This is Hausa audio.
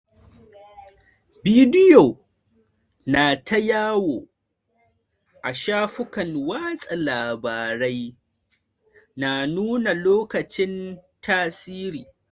Bidio na ta yawu a shafukan watsa labarai na nuna lokacin tasiri.